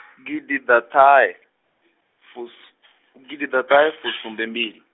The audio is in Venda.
gididatahefusu-, gidiḓaṱahefusumbembili.